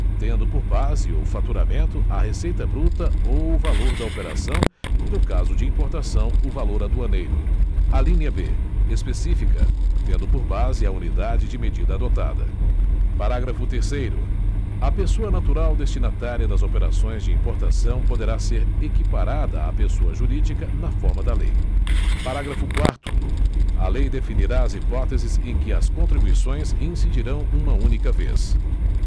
tendo por base o faturamento a receita bruta ou o valor da operação e no caso de importação o valor aduaneiro alínea b específica tendo por base a unidade de medida adotada parágrafo terceiro a pessoa natural destinatária das operações de importação poderá ser equiparada a pessoa jurídica na forma da lei parágrafo quarto a lei definirá as hipóteses em que as contribuições incidirão uma única vez